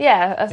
Ie as...